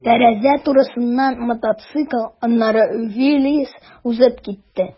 Тәрәзә турысыннан мотоцикл, аннары «Виллис» узып китте.